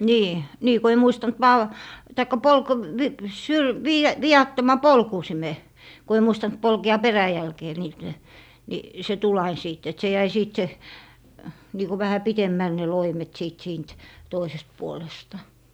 niin niin kun ei muistanut - tai ----- viattoman polkusimen kun ei muistanut polkea peräjälkeen niille niin se tuli aina sitten että se jäi siitä se niin kuin vähän pitemmälle ne loimet sitten siitä toisesta puolesta